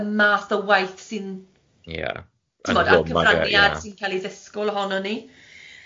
ar math o waith sy'n ie tibod ar cyfraniad sy'n cael ei ddysgwyl ohonon ni.